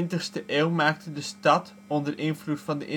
de 20ste eeuw maakte de stad, onder invloed van de